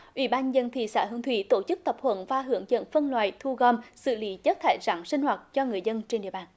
ủy ban nhân dân thị xã hương thủy tổ chức tập huấn và hướng dẫn phân loại thu gom xử lý chất thải rắn sinh hoạt cho người dân trên địa bàn